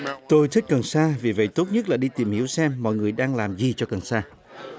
tôi thích cần sa vì vậy tốt nhất là đi tìm hiểu xem mọi người đang làm gì cho cần sa